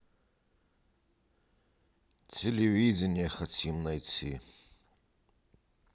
телевидение хотим найти